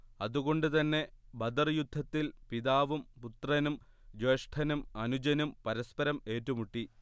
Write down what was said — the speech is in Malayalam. അത് കൊണ്ട് തന്നെ ബദർ യുദ്ധത്തിൽ പിതാവും പുത്രനും ജ്യേഷ്ഠനും അനുജനും പരസ്പരം ഏറ്റുമുട്ടി